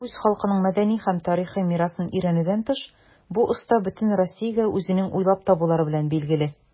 Үз халкының мәдәни һәм тарихи мирасын өйрәнүдән тыш, бу оста бөтен Россиягә үзенең уйлап табулары белән билгеле.